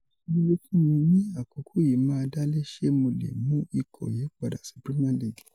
’’Àṣeyọrí fún mi ní àkókò yìí máa dálé ‘ṣé mo lè mú ikọ̀ yìí padà sí Premier League?’